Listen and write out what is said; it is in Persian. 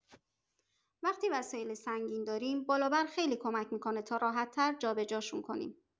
وقتی وسایل سنگین داریم، بالابر خیلی کمک می‌کنه تا راحت‌تر جابه‌جاشون کنیم.